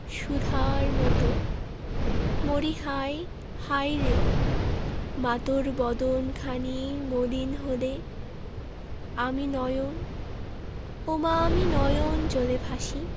সুধার মতো মরিহায় হায়রে মা তোর বদন খানি মলিন হলে আমি নয়ন ওমা আমি নয়ন জলে ভাসি